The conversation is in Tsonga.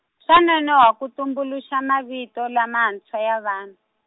swa nonohwa ku tumbuluxa mavito lamantshwa ya van-.